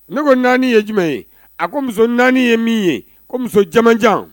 Ne ko naani ye jumɛn ye a ko muso naani ye min ye ko muso camanjan